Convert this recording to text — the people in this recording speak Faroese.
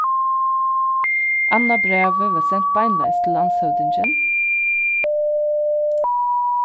annað brævið varð sent beinleiðis til landshøvdingin